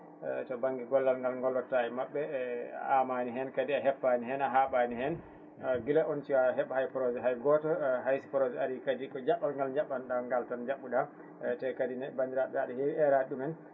to banggue gollal ngaml gollottoɗa e maɓɓe e a mani hen kadi a heppani hen a haɓani hen guila on cuuwa heeb hay projet goto hayso projet ari kadi ko jabɓal ngal jaɓɓanno ɗa ngal tan jaɓɓuɗa ete kadi ne bandiraɓe aɗa heewi heerade ɗumen